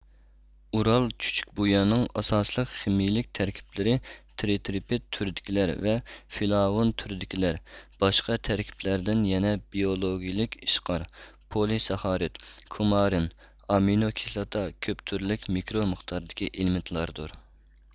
ئۇرال چۈچۈكبۇيىنىڭ ئاساسلىق خىمىيىلىك تەركىبلىرى ترىترپىت تۈرىدىكىلەر ۋە فلاۋون تۈرىدىكىلەر باشقا تەركىبلەردىن يەنە بىئولوگىيىلىك ئىشقار پولى ساخارىد كۇمارىن ئامىنو كىسلاتا كۆپ تۈرلۈك مىكرو مىقداردىكى ئېلېمېنتلاردۇر